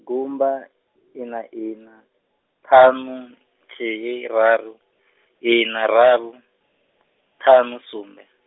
gumba, ina ina, ṱhanu, nthihi raru, ina raru, ṱhanu sumbe.